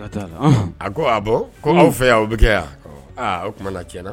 A fɛ kɛ o